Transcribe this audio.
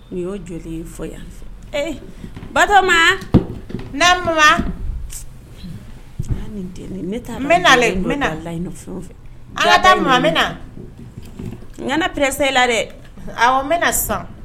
U y'o joli fɔ yan ee batoma n' layi fɛ ala taa mama bɛ na nana presɛ la dɛ n bɛna na san